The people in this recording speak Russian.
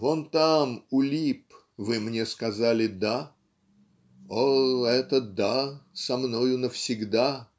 Вон там, у лип, вы мне сказали "да": О, это "да" со мною навсегда! .